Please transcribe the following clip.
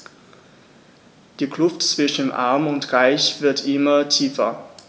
Die Kluft zwischen Arm und Reich wird immer tiefer.